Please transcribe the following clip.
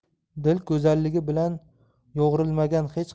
dil go'zalligi bilan yo'g'rilmagan hech